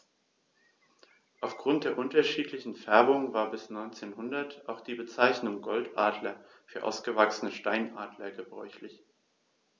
Auf Grund der unterschiedlichen Färbung war bis ca. 1900 auch die Bezeichnung Goldadler für ausgewachsene Steinadler gebräuchlich.